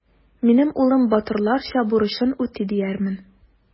Минем улым батырларча бурычын үти диярмен.